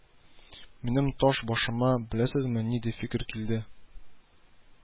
Минем таш башыма, беләсезме, нинди фикер килде